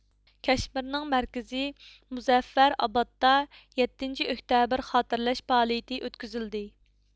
كەشمىرنىڭ مەركىزى مۇزەففەرئابادتا يەتتىنچى ئۆكتەبىر خاتىرىلەش پائالىيىتى ئۆتكۈزۈلدى